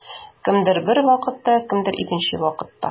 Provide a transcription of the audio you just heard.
Кемдер бер вакытта, кемдер икенче вакытта.